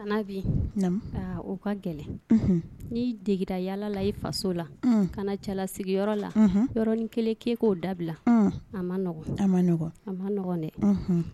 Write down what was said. Nabi, aa, o ka gɛlɛ dɛ, n'i dege la yaala la i faso la, ka na cɛlasigii yɔrɔ la , yɔrɔrnin kelen k'e ko dabila ,a ma nɔgɔ, o ma nɔgɔn dɛ.